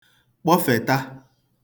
kpọfèta